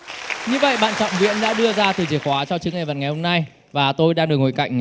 như vậy bạn trọng viễn đã đưa ra từ chìa khóa cho chướng ngại vật ngày hôm nay và tôi đang được ngồi cạnh